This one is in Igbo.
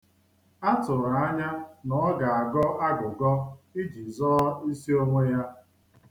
A tụrụ anya na ọ ga-agọ agụgọ iji zọọ isi onwe ya.